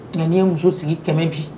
N'i ye muso sigi kɛmɛ bi